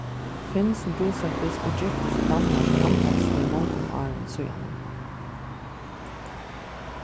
finn sum búsettist og giftist í danmark andaðist fyri mongum árum síðani